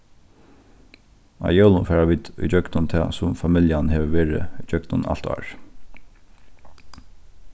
á jólum fara vit ígjøgnum tað sum familjan hevur verið ígjøgnum alt árið